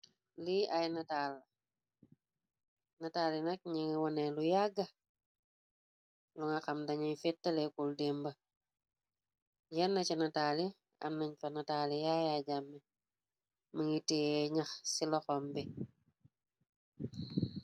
lii ay nataali nataalinak ñini wone lu yagga lu nga xam danuy fettalekul dimba yenn ca nataali am nañ fa nataali yaaya jàmme mi ngi tee ñax ci loxom bi.